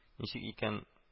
Ничек икән